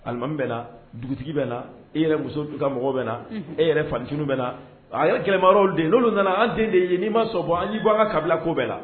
Alimami bɛ la dugutigi bɛ la e yɛrɛ musotu mɔgɔw bɛ la e yɛrɛ fantun bɛ na a ya gɛlɛnmaruyaw den olu nana an den de ye n'i ma sɔn bɔ an'i bɔ an ka kabilako bɛɛ la